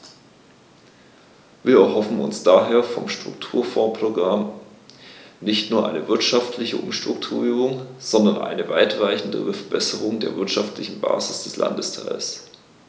Wir erhoffen uns daher vom Strukturfondsprogramm nicht nur eine wirtschaftliche Umstrukturierung, sondern eine weitreichendere Verbesserung der wirtschaftlichen Basis des Landesteils.